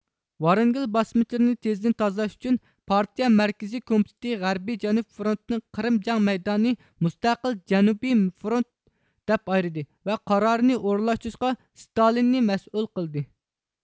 ۋرانگېل باسمىچىلىرىنى تېزدىن تازىلاش ئۈچۈن پارتىيە مەركىزىي كومىتېتى غەربىي جەنۇب فرونتىنىڭ قىرىم جەڭ مەيدانىنى مۇستەقىل جەنۇبىي فرونىت دەپ ئايرىدى ۋە قارارنى ئورۇنلاشتۇرۇشقا ستالىننى مەسئۇل قىلدى